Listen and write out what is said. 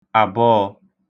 àbọọ̄